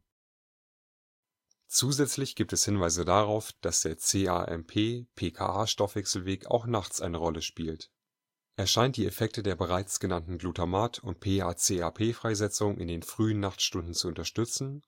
Zusätzlich gibt es Hinweise darauf, dass der cAMP/PKA-Stoffwechselweg auch nachts eine Rolle spielt. Er scheint die Effekte der oben genannten Glutamat - und PACAP-Freisetzung in den frühen Nachtstunden zu unterstützen